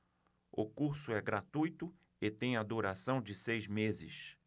o curso é gratuito e tem a duração de seis meses